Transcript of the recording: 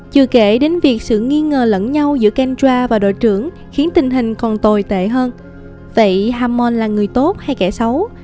chưa kể đến việc sự nghi ngờ lẫn nhau giữa kendra và đội trưởng khiến tình hình còn tồi tệ hơn vậy hammond là người tốt hay kẻ xấu